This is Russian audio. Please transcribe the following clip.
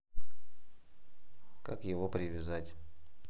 как его привязать